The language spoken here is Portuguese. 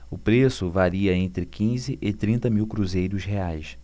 o preço varia entre quinze e trinta mil cruzeiros reais